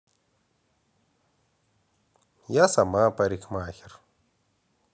я сама парикмахер